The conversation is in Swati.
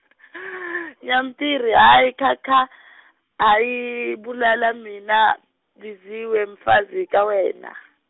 Nyampiri, Hayi kha kha , hhayi, bulala mina, biziwe mfazi kawena.